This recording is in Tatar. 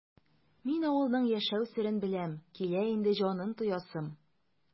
Мин авылның яшәү серен беләм, килә инде җанын тоясым!